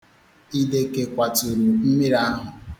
Ideke kwaturu mmiri ahụ.